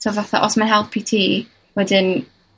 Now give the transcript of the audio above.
t'o' fatha, os ma' helpu ti, wedyn,